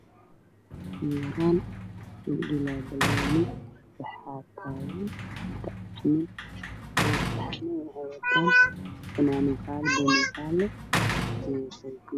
Waa garoon lagu dheelayo banooni waxa ay muuqda saddex nin wataan fanaanad jaalle ah iyo dadka dambeeyaan